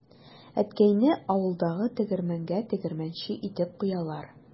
Әткәйне авылдагы тегермәнгә тегермәнче итеп куялар.